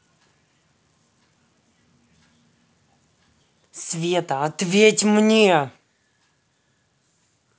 света ответь мне